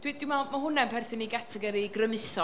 Dwi dwi'n meddwl ma' hwnna'n perthyn i gategori grymuso.